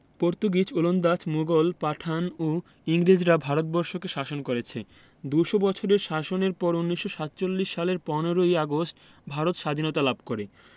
Portuguese ওলন্দাজ মুঘল পাঠান ও ইংরেজরা ভারত বর্ষকে শাসন করেছে দু'শ বছরের শাসনের পর ১৯৪৭ সালের ১৫ ই আগস্ট ভারত সাধীনতা লাভ করে